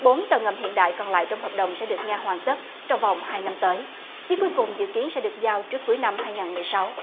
bốn tàu ngầm hiện đại còn lại trong hợp đồng sẽ được nhà hoàn tất trong vòng hai năm tới chiếc cuối cùng dự kiến sẽ được giao trước cuối năm hai ngàn mười sáu